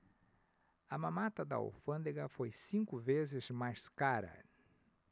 a mamata da alfândega foi cinco vezes mais cara